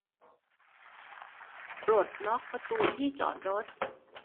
ปลดล็อคประตูที่จอดรถ